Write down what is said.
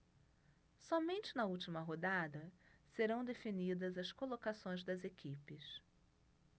somente na última rodada serão definidas as colocações das equipes